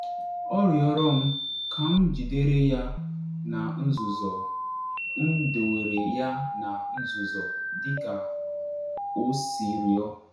“Ọ rịọrọ m ka m jidere ya na nzuzo, m dowere ya na nzuzo dị ka o si rịọ.”